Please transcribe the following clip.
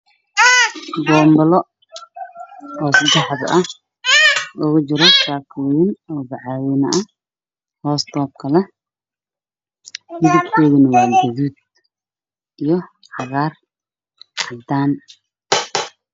Waa boonbalo seddex xabo ah waxaa kujiro saakooyin oo bacwayne ah midabkoodu waa gaduud iyo cagaar, cadaan.